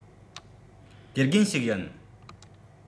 དགེ རྒན ཞིག ཡིན